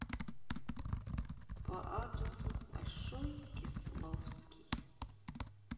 по адресу большой кисловский